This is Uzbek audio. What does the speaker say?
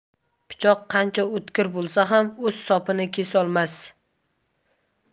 pichoq qancha o'tkir bo'lsa ham o'z sopini kesolmas